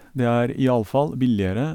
Det er iallfall billigere.